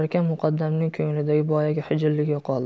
muqaddamning ko'nglidagi boyagi hijillik yo'qoldi